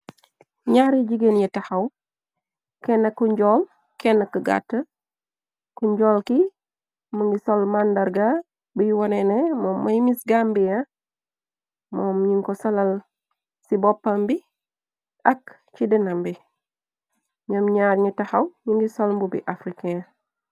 Njarri jigéen yi taxaw kenah ku njool, kenn ku gàttue, ku njool ki mu ngi sol màndarga biy woneh neh mom moy miss Gambia, mom njung ko solal ci boppam bi ak ci dehnam bi, njom njaar ñi taxaw ñi ngi sol mbubi africaine.